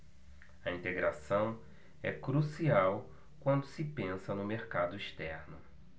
a integração é crucial quando se pensa no mercado externo